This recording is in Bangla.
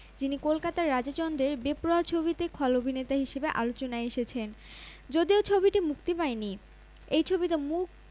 ঈদে বাংলাদেশে মুক্তি দেয়ার প্রক্রিয়াও শুরু হয়েছিল যদিও শেষ পর্যন্ত বিষয়টি ধামাচাপা পড়ে গেছে অন্যদিকে মিমের সাথে ফটশুটে অংশ নেন আরেক খল অভিনেতা খালেদ হোসেন সুজন